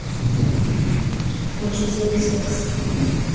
мучительный секс